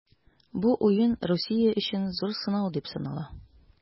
Бу уен Русия өчен зур сынау дип санала.